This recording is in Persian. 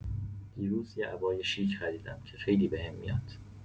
دیروز یه عبای شیک خریدم که خیلی بهم میاد.